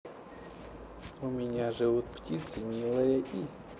у меня живут танцы милая и